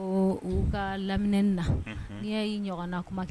U ka lam na n y'i ɲɔgɔnna kuma kɛ